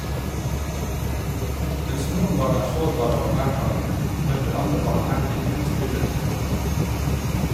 Mens noen barn er sårbare og nærtagende, møter andre barn erting med et skuldertrekk.